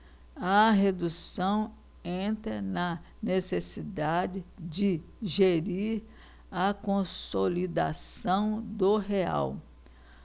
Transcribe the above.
a redução entra na necessidade de gerir a consolidação do real